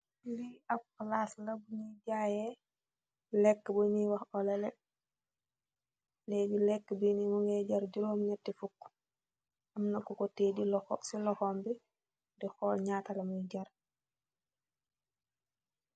li ap palace la bou nyo jaye legk bou nyo wah olale, Legih legk bee mou ngeh jarr juroom nyatifuku amna kuko teh cee lohombi, dii setth nyata lami jarr.